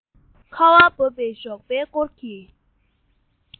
ཁ བ བབས པའི ཞོགས པའི སྐོར གྱི